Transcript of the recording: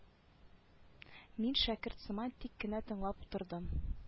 Мин шәкерт сыман тик кенә тыңлап утырдым